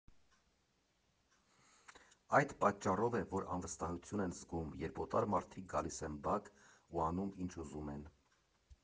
Այդ պատճառով է, որ անվստահություն են զգում, երբ օտար մարդիկ գալիս են բակ ու անում, ինչ ուզում են։